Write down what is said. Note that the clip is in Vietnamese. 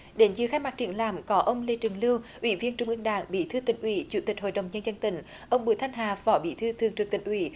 đến dự khai mạc triển lãm có ông lê trường lưu ủy viên trung ương đảng bí thư tỉnh ủy chủ tịch hội đồng nhân dân tỉnh ông bùi thanh hà phó bí thư thường trực tỉnh ủy